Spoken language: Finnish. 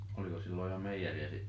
oliko silloin jo meijeriä sitten